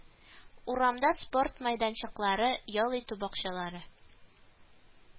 Урамда спорт мәйданчыклары, ял итү бакчалары